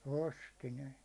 osti ne